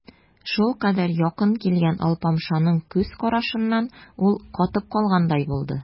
Шулкадәр якын килгән алпамшаның күз карашыннан ул катып калгандай булды.